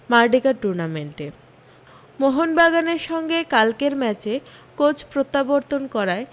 Merdeka টুর্নামেন্টে মোহনবাগানের সঙ্গে কালকের ম্যাচে কোচ প্রত্যাবর্তন করায়